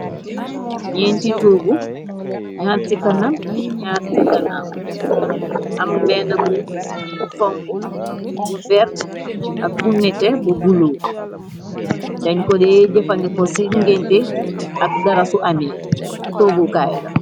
Njenti tohgu njaari cii kanam, njaar cii ganaw, am benue bu honhu, bu vert, ak bu nehteh, bu blue, dengh kor dae jeufandehkor cii ngeunteh ak dara su ameh, tohgoh kaii la.